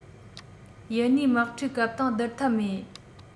དབྱི གཉིས དམག འཁྲུག སྐབས དང སྡུར ཐབས མེད